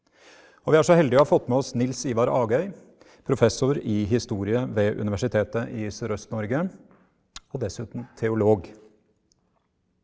og vi er så heldig å ha fått med oss Nils Ivar Agøy professor i historie ved Universitetet i Sørøst-Norge og dessuten teolog.